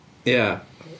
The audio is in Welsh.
Ia.